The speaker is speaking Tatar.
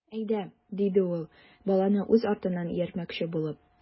Әйдә,— диде ул, баланы үз артыннан ияртмөкче булып.